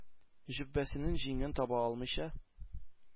Җөббәсенең җиңен таба алмыйча,